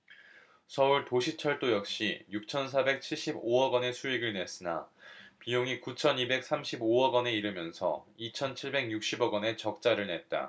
서울도시철도 역시 육천 사백 칠십 오 억원의 수익을 냈으나 비용이 구천 이백 삼십 오 억원에 이르면서 이천 칠백 육십 억원의 적자를 냈다